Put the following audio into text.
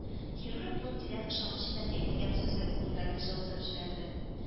Хирургның тирән ышаныч белән әйтелгән сүзе күңелләрне җылытып җибәрде